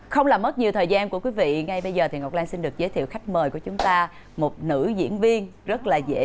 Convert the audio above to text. không làm mất nhiều thời gian của quý vị ngay bây giờ thì ngọc lan xin được giới thiệu khách mời của chúng ta một nữ diễn viên rất là dễ